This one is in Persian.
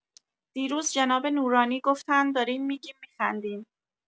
دیروز جناب نورانی گفتن داریم می‌گیم می‌خندیم